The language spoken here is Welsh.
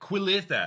cywilydd de.